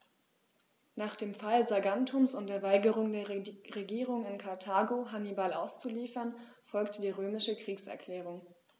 Nach dem Fall Saguntums und der Weigerung der Regierung in Karthago, Hannibal auszuliefern, folgte die römische Kriegserklärung.